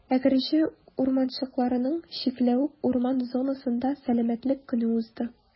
Әгерҗе урманчылыгының «Чикләвек» урман зонасында Сәламәтлек көне узды.